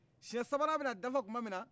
siyɛ sabanan bɛna dafa tumaninna